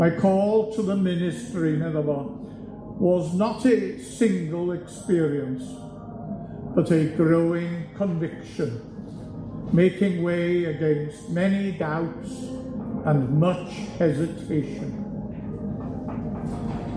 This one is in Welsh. My call to the ministry, medda fo, was not a single experience, but a growing conviction, making way against many doubts and much hesitation.